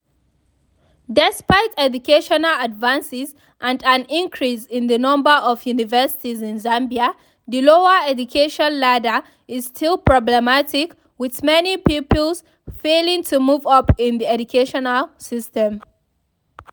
Despite educational advances and an increase in the number of universities in Zambia, the lower education ladder is still problematic with many pupils failing to move up in the educational system.